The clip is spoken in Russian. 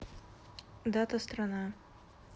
дата страна